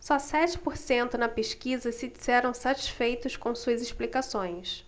só sete por cento na pesquisa se disseram satisfeitos com suas explicações